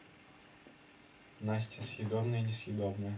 настя съедобное несъедобное